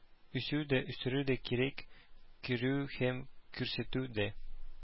Үсү дә үстерү дә кирәк, күрү һәм күрсәтү дә.